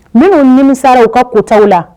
Minnuummisaraw u ka kutaw la